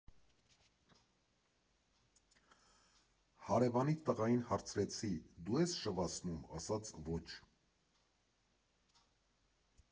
Հարևանի տղային հարցրեցի՝ դու ե՞ս շվացնում, ասաց՝ ոչ։